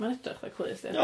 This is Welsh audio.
Mae'n edrych 'tha clust ia?